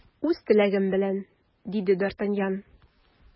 Үз теләгем белән! - диде д’Артаньян.